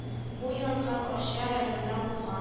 Бу янгын арча районында булган